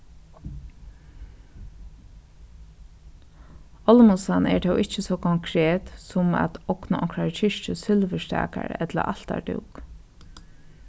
olmussan er tó ikki so konkret sum at ogna onkrari kirkju silvurstakar ella altardúk